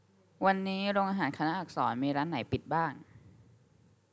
วันนี้โรงอาหารคณะอักษรมีร้านไหนปิดบ้าง